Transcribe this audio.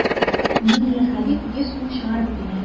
Миңлехәбиб йөз сум чыгарып бирә.